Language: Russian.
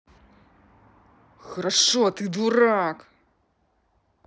хорошо ты дурак